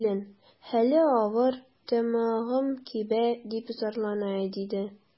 Килен: хәле авыр, тамагым кибә, дип зарлана, диде.